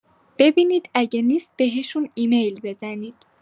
ببینید اگه نیست بهشون ایمیل بزنید